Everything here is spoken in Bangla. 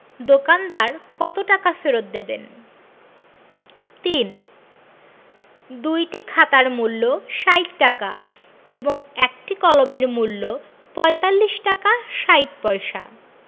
দোকানদার কত টাকা ফেরত দেবেন ৩ দুইটি খাতার মূল্য ৬০ টাকা এবং একটি কলমের মূল্য ৪৫ টাকা ৬০ পয়সা